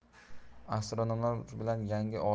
astronomlar bilan yangi